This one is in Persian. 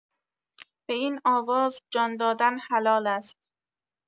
به این آواز جان‌دادن حلال است